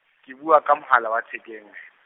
ke bua ka mohala wa thekeng .